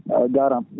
eyyi a jarama